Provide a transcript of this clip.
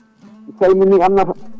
mi salmini Aminata